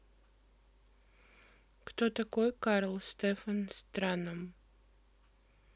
кто такой карл стефан странном